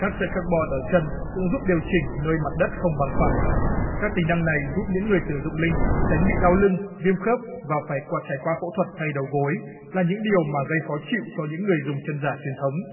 các sợi các bo ở chân cũng giúp điều chỉnh nơi mặt đất không bằng phẳng các tính năng này giúp những người sử dụng linh tránh bị đau lưng viêm khớp và phải qua trải qua phẫu thuật thay đầu gối là những điều mà gây khó chịu cho những người dùng chân giả truyền thống